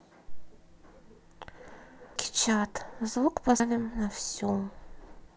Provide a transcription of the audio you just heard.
русский чат звук поставим на всю